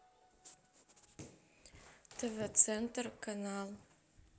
тв центр канал